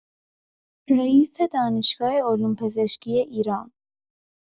رییس دانشگاه علوم‌پزشکی ایران